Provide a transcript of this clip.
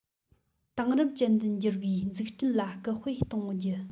དེང རབས ཅན དུ འགྱུར བའི འཛུགས སྐྲུན ལ སྐུལ སྤེལ གཏོང རྒྱུ